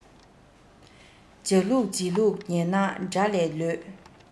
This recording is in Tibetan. བྱ ལུགས བྱེད ལུགས ངན ན དགྲ ལས ལོད